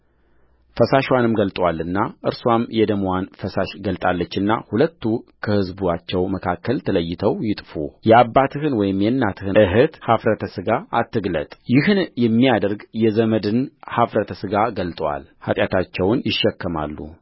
ፈሳሽዋን ገልጦአልና እርስዋም የደምዋን ፈሳሽ ገልጣለችና ሁለቱ ከሕዝባቸው መካከል ተለይተው ይጥፉየአባትህን ወይም የእናትህን እኅት ኃፍረተ ሥጋ አትግለጥ ይህን የሚያደርግ የዘመድን ኃፍረተ ሥጋ ገልጦአል ኃጢአታቸውን ይሸከማሉ